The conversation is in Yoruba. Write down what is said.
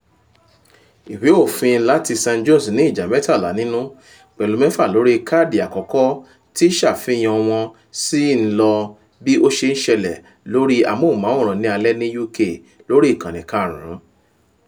Ìwé òfin láti San Jose ní ìja 13 nínú, pẹ̀lú mẹ́fà lórí i káàdi àkọ́kọ́ tí ìṣàfihàn wọ́n sì ńlọ́ bí ó ṣe ń ṣẹ̀lẹ̀ lórí àmóhùmáwòrán ní alẹ̀ ní UK lórí Ìkannì 5.